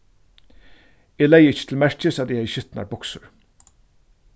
eg legði ikki til merkis at eg hevði skitnar buksur